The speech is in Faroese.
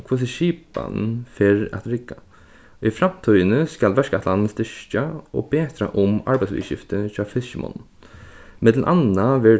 hvussu skipanin fer at rigga í framtíðini skal verkætlanin styrkja og betra um arbeiðsviðurskifti hjá fiskimonnum millum annað verður